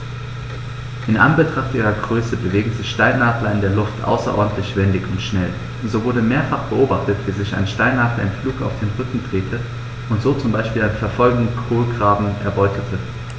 In Anbetracht ihrer Größe bewegen sich Steinadler in der Luft außerordentlich wendig und schnell, so wurde mehrfach beobachtet, wie sich ein Steinadler im Flug auf den Rücken drehte und so zum Beispiel einen verfolgenden Kolkraben erbeutete.